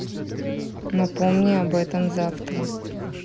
напомни об этом завтра